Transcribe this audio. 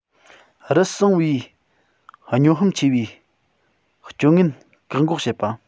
རུལ སུངས པའི སྨྱོ ཧམ ཆེན པོའི སྤྱོད ངན བཀག འགོག བྱེད པ